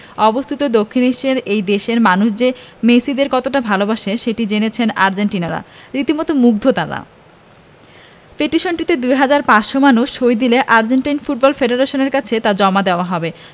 অবস্থিত দক্ষিণ এশিয়ার এই দেশের মানুষ যে মেসিদের কতটা ভালোবাসে সেটি জেনেছেন আর্জেন্টাইনরা রীতিমতো মুগ্ধ তাঁরা পিটিশনটিতে ২ হাজার ৫০০ মানুষ সই দিলেই আর্জেন্টাইন ফুটবল ফেডারেশনের কাছে তা জমা দেওয়া হবে